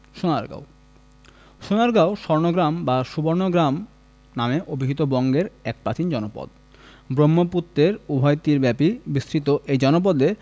সোনারগাঁও সোনারগাঁও স্বর্ণগ্রাম বা সুবর্ণগ্রাম নামে অভিহিত বঙ্গের এক প্রাচীন জনপদ ব্রহ্মপুত্রের উভয় তীর ব্যাপী বিস্তৃত এই জনপদে